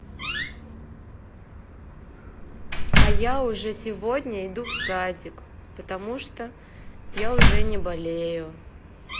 а я сегодня иду в садик потому что я уже не болею